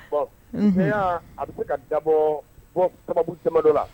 bon unhun , a bɛ se ka dabɔ fɔ sababu dama dɔ la.